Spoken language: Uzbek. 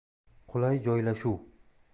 qulay joylashuv